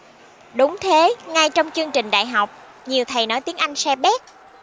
đúng thế ngay trong chương trình đại học nhiều thầy nói tiếng anh sai bét